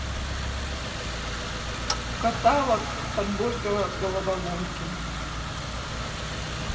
каталог подборка головоломки